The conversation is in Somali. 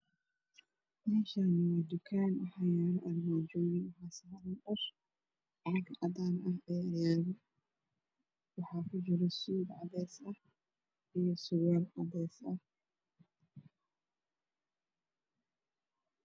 Meeshaan waa tukaan waxaa yaalo armaajooyin waxaa saaran dhar caag cadaan ah ayaa yaalo waxaa kujiro suud cadeys ah iyo surwaal cadeys ah.